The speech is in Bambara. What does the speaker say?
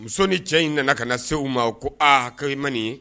Muso ni cɛ in nana ka na se u ma ko aa ha i man nin ye